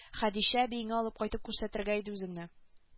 Хәдичә әбиеңә алып кайтып күрсәтергә иде үзеңне